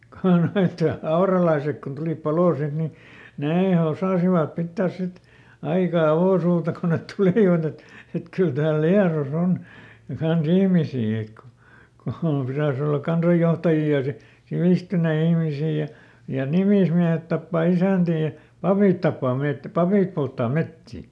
kun nuo auralaiset kun tulivat paloon sitten niin ne osasivat pitää sitten aika avosuuta kun ne tulivat että että kyllä täällä Liedossa on kanssa ihmisiä että kun kun pitäisi olla kansanjohtajia ja - sivistyneitä ihmisiä ja ja nimismiehet tappaa isäntiä ja papit tappaa - papit polttaa metsiä